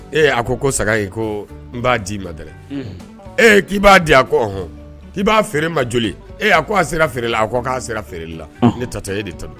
Ee a ko ko saga in ko n b'a di ma dɛrɛ e k'i b'a di a koɔn k'i b'a feere ma joli ee a ko a sera feerela a ko'a sera feere la ne tatɔ e de tɛmɛ